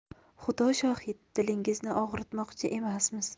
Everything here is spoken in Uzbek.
xudo shohid dilingizni og'ritmoqchi emasmiz